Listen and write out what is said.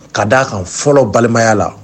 Ka d'a a kan fɔlɔ balimaya la